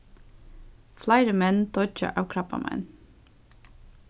fleiri menn doyggja av krabbamein